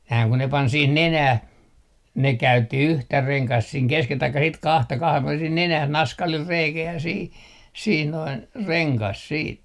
nämä kun ne pani siihen nenään ne käytti yhtä rengasta siinä keskellä tai sitten kahta kahden puolen siihen nenään naskalilla reikä ja siihen siihen noin rengas sitten